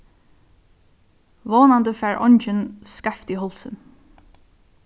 vónandi fær eingin skeivt í hálsin